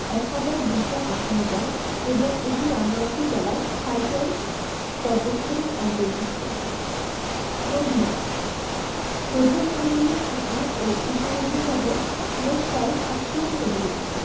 ১হাজার ২৮০ মিটার এবং এটি রাঙ্গামাটি জেলার সাইচল পর্বতসারির অন্তর্ভূক্ত নদীমালা প্রধান নদীগুলোর শাখা ও উপনদীসহ মোট প্রায় ৭০০ নদী রয়েছে